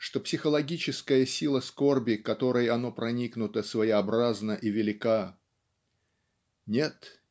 что психологическая сила скорби которой оно проникнуто своеобразна и велика. . Нет